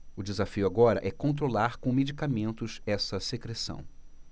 o desafio agora é controlar com medicamentos essa secreção